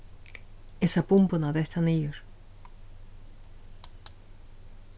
eg sá bumbuna detta niður